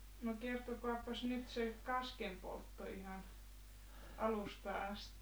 no kertokaapas nyt se kaskenpoltto ihan alusta asti